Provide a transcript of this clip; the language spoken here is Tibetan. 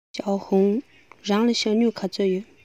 ཞའོ ཧུང རང ལ ཞྭ སྨྱུག ག ཚོད ཡོད